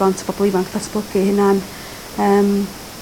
blant a bobol ifanc datblygu 'u hunain yym.